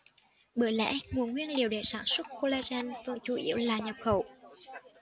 bởi lẽ nguồn nguyên liệu để sản xuất collagen vẫn chủ yếu là nhập khẩu